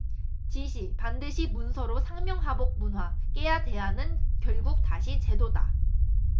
지시 반드시 문서로 상명하복 문화 깨야대안은 결국 다시 제도다